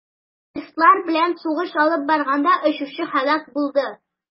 Террористлар белән сугыш алып барганда очучы һәлак булды.